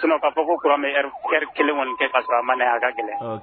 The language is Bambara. sinon k'a fɔ ko kuran kɔni heure kelen kɛ yan kasɔrɔ a ma na a ka gɛlɛn